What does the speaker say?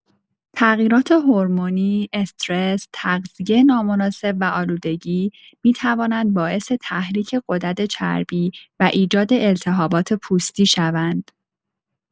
تغییرات هورمونی، استرس، تغذیه نامناسب و آلودگی می‌توانند باعث تحریک غدد چربی و ایجاد التهابات پوستی شوند.